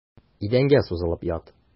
Идәнгә сузылып ят.